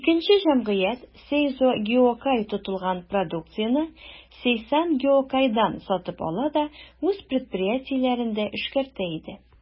Икенче җәмгыять, «Сейзо Гиокай», тотылган продукцияне «Сейсан Гиокайдан» сатып ала да үз предприятиеләрендә эшкәртә иде.